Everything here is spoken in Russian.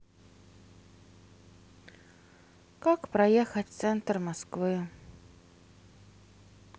как проехать в центр москвы